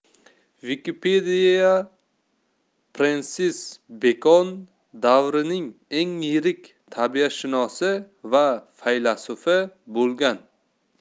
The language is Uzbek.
wikipedia frensis bekon davrining eng yirik tabiatshunosi va faylasufi bo'lgan